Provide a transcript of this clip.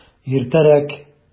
Иртәрәк!